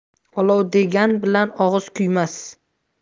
olov degan bilan og'iz kuymas